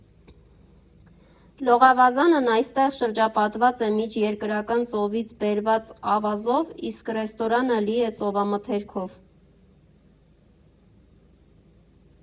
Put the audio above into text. Լողավազանն այստեղ շրջապատված է Միջերկրական ծովից բերված ավազով, իսկ ռեստորանը լի է ծովամթերքով։